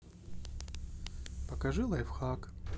покажи лайфхак